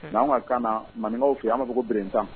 N' ka kaana na maninkaw f' ye an'a fɔ bereeretan